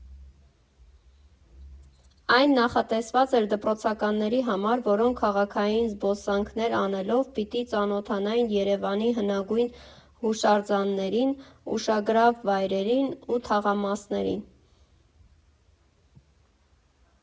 Այն նախատեսված էր դպրոցականների համար, որոնք քաղաքային զբոսանքներ անելով՝ պիտի ծանոթանային Երևանի հնագույն հուշարձաններին, ուշագրավ վայրերին ու թաղամասերին։